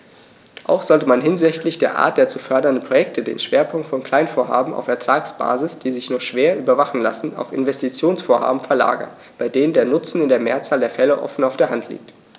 Auch sollte man hinsichtlich der Art der zu fördernden Projekte den Schwerpunkt von Kleinvorhaben auf Ertragsbasis, die sich nur schwer überwachen lassen, auf Investitionsvorhaben verlagern, bei denen der Nutzen in der Mehrzahl der Fälle offen auf der Hand liegt.